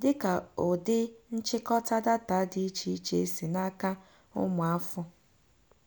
dịka ụdị nchịkọta data dị icheiche si n'aka ụmụafọ.